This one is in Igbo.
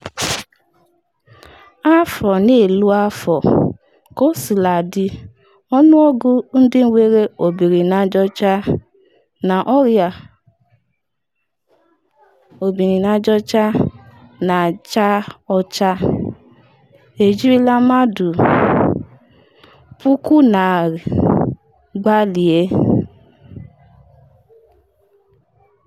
Afọ n’elu afọ, kosiladị, ọnụọgụ ndị nwere HIV na Ọrịa obiri n’aja ọcha ejirila mmadụ 100,000 gbalie.